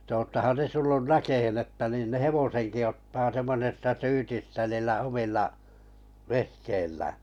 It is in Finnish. että olettehan te tullut näkemään että niin ne hevosenkin ottaa semmoisesta syytistä niillä omilla vehkeillään